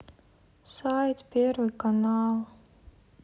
сайт первый канал